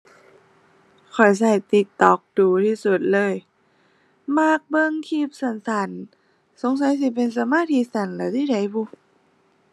ข้อยใช้ TikTok ดู๋ที่สุดเลย มักเบิ่งคลิปสั้นสั้น สงสัยสิเป็นสมาธิสั้นแล้วใช้ใดบุ